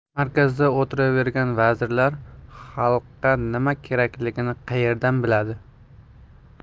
markazda o'tiravergan vazirlar xalqqa nima kerakligini qayerdan biladi